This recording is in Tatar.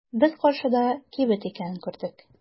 Без каршыда кибет икәнен күрдек.